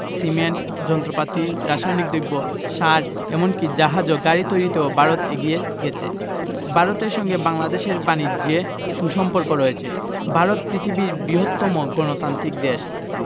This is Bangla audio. সিমেন্ট যন্ত্রপাতি রাসায়নিক দ্রব্য সার এমন কি জাহাজ ও গাড়ি তৈরিতেও ভারত এগিয়ে গেছে ভারতের সঙ্গে বাংলাদেশের বানিজ্যে সু সম্পর্ক রয়েছে ভারত পৃথিবীর বৃহত্তম গণতান্ত্রিক দেশ